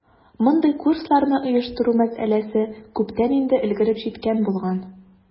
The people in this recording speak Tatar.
Мондый курсларны оештыру мәсьәләсе күптән инде өлгереп җиткән булган.